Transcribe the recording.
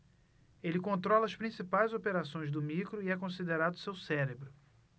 ele controla as principais operações do micro e é considerado seu cérebro